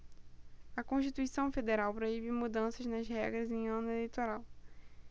a constituição federal proíbe mudanças nas regras em ano eleitoral